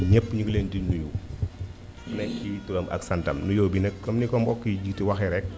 ñëpp ñu ngi leen di nuyu ku nekk ci turam ak santam nuyoo bi nag comme ni ko mbokki yi jiitu waxee rek